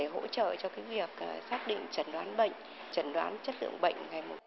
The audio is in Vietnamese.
để hỗ trợ cho thí nghiệm xác định chẩn đoán bệnh chẩn đoán chất lượng bệnh